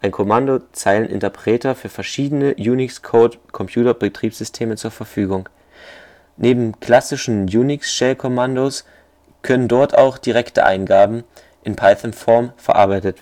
Kommandozeileninterpreter für verschiedene unixoide Computer-Betriebssysteme zur Verfügung, der neben klassischen Unix-Shellkommandos auch direkte Eingaben in Python-Form verarbeiten